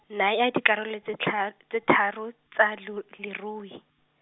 naya dikarolo tse tlha-, tse tharo, tsa lu- lerui.